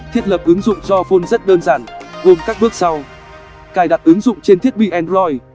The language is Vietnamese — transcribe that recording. thiết lập ứng dụng your phone rất đơn giản gồm các bước sau cài đặt ứng dụng trên thiết bị android